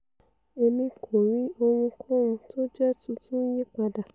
Emi kò rí ohunkóhun tójẹ́ tuntun ńyípadà.''